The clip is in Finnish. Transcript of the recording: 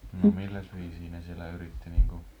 no milläs viisiin ne siellä yritti niin kuin